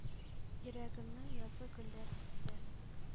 Йөрәгемнең язгы гөлләр төсле